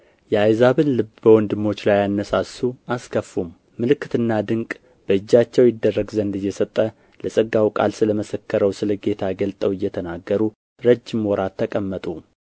የአሕዛብን ልብ በወንድሞች ላይ አነሣሡ አስከፉም ምልክትና ድንቅ በእጃቸው ይደረግ ዘንድ እየሰጠ ለጸጋው ቃል ስለ መሰከረው ስለ ጌታ ገልጠው እየተናገሩ ረጅም ወራት ተቀመጡ